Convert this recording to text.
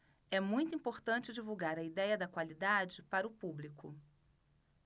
é muito importante divulgar a idéia da qualidade para o público